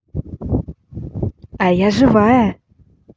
а я живая